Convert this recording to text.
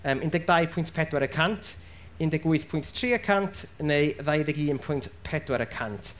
yym undeg dau pwynt pedwar y cant, undeg wyth pwynt tri y cant neu ddauddeg un pwynt pedwar y cant.